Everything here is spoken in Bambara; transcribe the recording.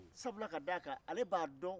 sabu la k'a d'a kan ale b'a dɔn